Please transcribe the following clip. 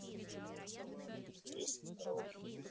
песня с караоке